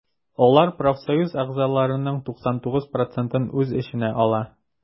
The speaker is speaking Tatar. Алар профсоюз әгъзаларының 99 процентын үз эченә ала.